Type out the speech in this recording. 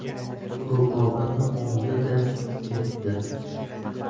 rubobini oldi da ketdi